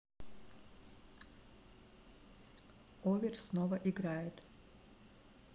over снова играет